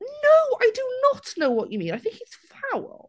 No, I do not know what you mean, I think he's foul.